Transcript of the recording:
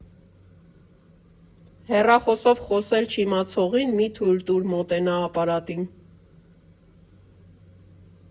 Հեռախոսով խոսել չիմացողին մի՛ թույլ տուր մոտենա ապարատին։